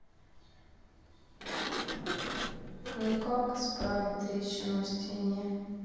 нет как исправить трещину в стене